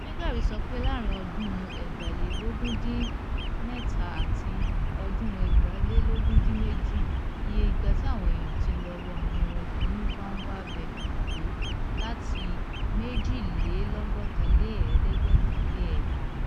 Meigari sọ pé láàárín ọdún 2017 àti 2018, iye ìgbà tí àwọn èèyàn ti lọ wo àwọn ẹranko ní Boumba Bek gòkè láti 8,562